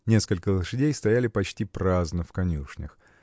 Несколько лошадей стояли почти праздно в конюшнях.